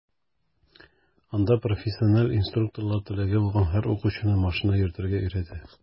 Анда профессиональ инструкторлар теләге булган һәр укучыны машина йөртергә өйрәтә.